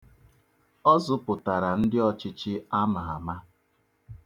Ọ zụpụtara ndị ọchịchị ama ama.